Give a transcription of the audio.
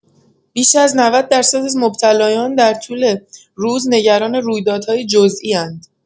بیش از نود درصد از مبتلایان در طول روز نگران رویدادهای جزئی‌اند!